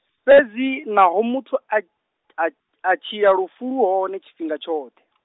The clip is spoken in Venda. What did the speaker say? fhedzi naho muthu a, t- a t-, a tshila lufu lu hone tshifhinga tshoṱhe .